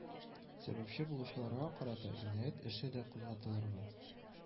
Сәбәпче булучыларга карата инаять эше дә кузгатылырга